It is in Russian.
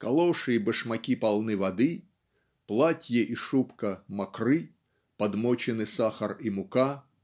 калоши и башмаки полны воды платье и шубка мокры подмочены сахар и мука.